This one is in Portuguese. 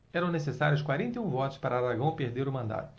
eram necessários quarenta e um votos para aragão perder o mandato